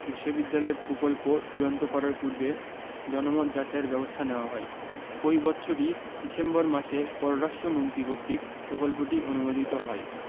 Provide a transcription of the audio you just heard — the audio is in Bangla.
বিশ্ববিদ্যালয়ের প্রকল্প চূড়ান্ত করার পূর্বে জনমত যাচাইয়ের ব্যবস্থা নেওয়া হয় ঐ বৎসরই ডিসেম্বর মাসে পররাষ্ট্র মন্ত্রী কর্তৃক প্রকল্পটি অনুমোদিত হয়